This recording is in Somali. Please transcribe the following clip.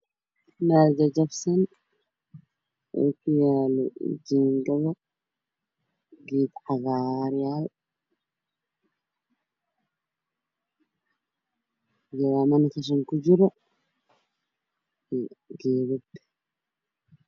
Meel jajabsan oo ku yaalo jiingado geed cagaar yaal jawaanana qashin ku jiro iyo geedo